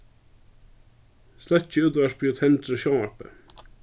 sløkkið útvarpið og tendrið sjónvarpið